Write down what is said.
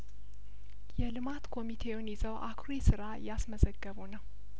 የልማት ኮሚቴውን ይዘው አኩሪ ስራ እያስመዘገቡ ነው